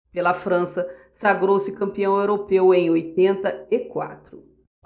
pela frança sagrou-se campeão europeu em oitenta e quatro